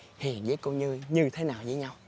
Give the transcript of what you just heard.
hiền với cô như như thế nào với nhau